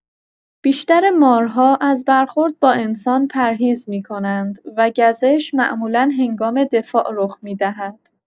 بیشتر مارها از برخورد با انسان پرهیز می‌کنند و گزش معمولا هنگام دفاع رخ می‌دهد.